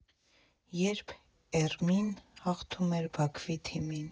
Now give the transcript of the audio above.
Երբ ԵռՄԻն հաղթում էր Բաքվի թիմին։